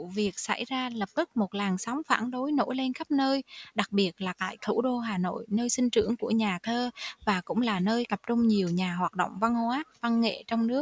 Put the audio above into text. việc xảy ra lập tức một làn sóng phản đối nổi lên khắp nơi đặc biệt là tại thủ đô hà nội nơi sinh trưởng của nhà thơ và cũng là nơi tập trung nhiều nhà hoạt động văn hóa văn nghệ trong nước